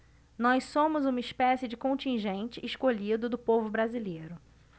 nós somos uma espécie de contingente escolhido do povo brasileiro